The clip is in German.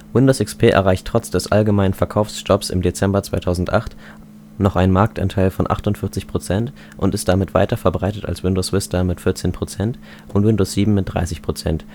Windows XP erreicht trotz des allgemeinen Verkaufsstopps im Dezember 2008 einen Marktanteil von 48 % und ist damit weiter verbreitet als Windows Vista mit 14 % und Windows 7 mit 30 %